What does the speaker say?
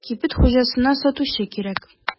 Кибет хуҗасына сатучы кирәк.